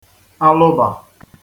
alụbà